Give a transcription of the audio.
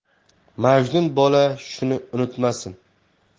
majnun bola shuni unutmasin